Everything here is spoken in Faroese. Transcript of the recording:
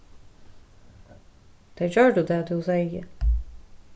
tey gjørdu tað tú segði